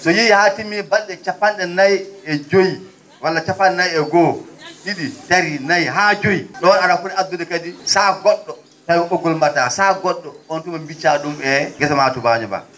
so yehii haa timmii bal?e cappan?e nayi e joyi walla capannayi e goo ?i?i tati nayi haa joyi ?o a?a foti addude kadi sac go??o tawi ko ?oggol mba??aa sac go??o on tuma biccaa ?um e ngesa maa tubaañoo mbaa